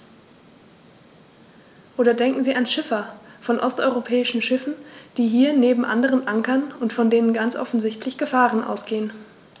Oder denken Sie an Schiffer von osteuropäischen Schiffen, die hier neben anderen ankern und von denen ganz offensichtlich Gefahren ausgehen.